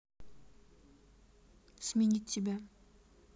сменить тебя